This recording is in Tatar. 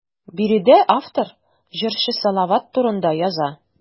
Биредә автор җырчы Салават турында яза.